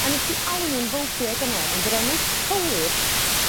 A nes i alw nw'n fylbie gynne ond yr enw cywir